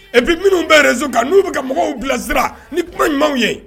Et puis minnu bɛ reseau kan, n'u bɛ ka mɔgɔw bilasira, ni kuma ɲumanw ye